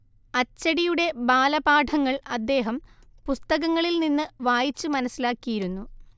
അച്ചടിയുടെ ബാലപാഠങ്ങൾ അദ്ദേഹം പുസ്തകങ്ങളിൽ നിന്ന് വായിച്ച്‌ മനസ്സിലാക്കിയിരുന്നു